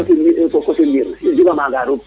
(*